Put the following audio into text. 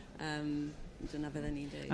Yrm dyna fyddan ni n d'eud.